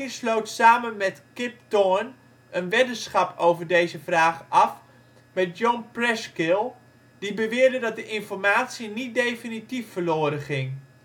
sloot samen met Kip Thorne een weddenschap over deze vraag af met John Preskill, die beweerde dat de informatie niet definitief verloren ging